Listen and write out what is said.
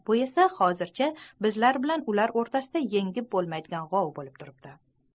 bu esa hozircha bizlar bilan ular o'rtasida yengib bo'lmaydigan g'ov bo'lib turipti